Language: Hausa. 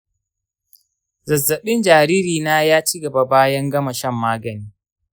zazzaɓin jariri na ya cigaba bayan gama shan magani.